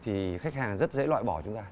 thì khách hàng rất dễ loại bỏ chúng ta